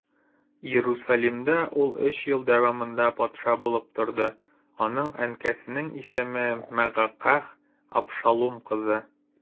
Иерусалимдә ул өч ел дәвамында патша булып торды, аның әнкәсенең исеме Мәгакәһ, Абшалум кызы.